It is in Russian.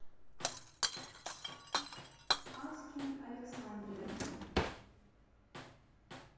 asking alexandria